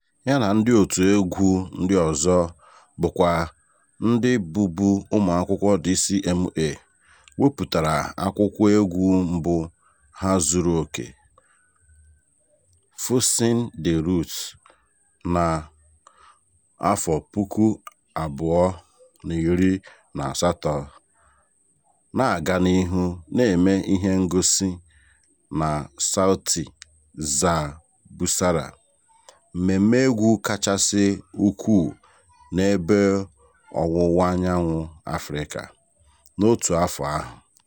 Ya na ndị otu egwu ndị ọzọ, bụkwa ndị bụbu ụmụakwụkwọ DCMA, wepụtara akwụkwọ egwu mbụ ha zuru oke, "Fusing the Roots" na 2018, na-aga n'ihu na-eme ihe ngosi na Sauti za Busara, mmemme egwu kachasị ukwuu n'Ebe Ọwụwa Anyanwụ Afịrịka, n'otu afọ ahụ.